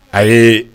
Ayi